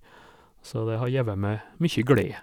Så det har gjeve meg mye glede.